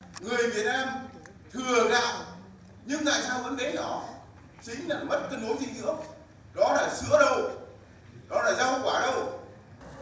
người việt nam thừa gạo nhưng tại sao vẫn bé nhỏ chính là mất cân đối dinh dưỡng đó là sữa đâu đó là rau quả đâu